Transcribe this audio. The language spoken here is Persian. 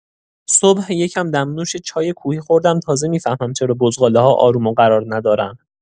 صبح یکم دمنوش چای کوهی خوردم تازه می‌فهمم چرا بزغاله‌ها آروم و قرار ندارن!